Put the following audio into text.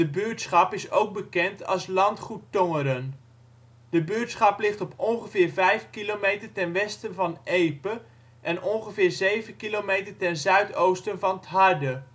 buurtschap is ook bekend als Landgoed Tongeren. De buurtschap ligt op ongeveer 5 kilometer ten westen van Epe, en ongeveer 7 kilometer ten zuidoosten van ' t Harde